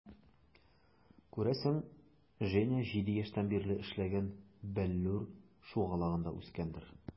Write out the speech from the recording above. Күрәсең, Женя 7 яшьтән бирле эшләгән "Бәллүр" шугалагында үскәндер.